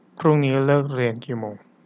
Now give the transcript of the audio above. พรุ่งนี้เลิกเรียนกี่โมง